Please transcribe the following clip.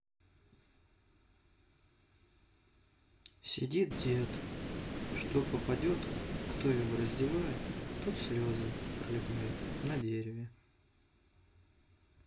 сидит дед что попадет кто его раздевает тот слезы проливает на дереве